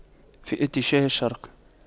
في اتجاه الشرق